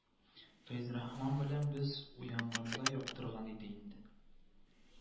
Фәйзрахман белән без уянганда яктырган иде инде